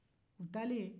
u taalen